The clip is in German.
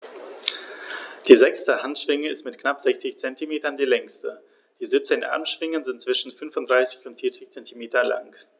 Die sechste Handschwinge ist mit knapp 60 cm die längste. Die 17 Armschwingen sind zwischen 35 und 40 cm lang.